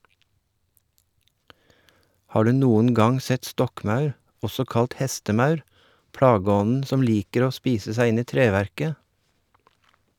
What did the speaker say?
Har du noen gang sett stokkmaur, også kalt hestemaur, plageånden som liker å spise seg inn i treverket?